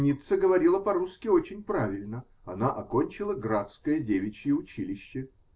Ницца говорила по-русски очень правильно: она окончила "Градское девичье училище".